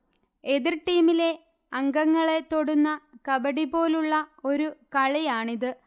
എതിർ ടീമിലെ അംഗങ്ങളെ തൊടുന്ന കബഡിപോലുള്ള ഒരു കളിയാണിത്